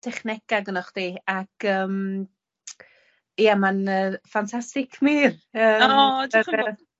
technege gynnoch chdi ag yym ia ma'n yy ffantastig wir yym... O dioch yn fowr.